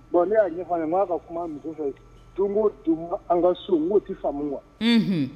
Bon ne y'a n ko a ka kuma musoi fɛ, don o don ,an ka so, n ko o tɛ faamu wa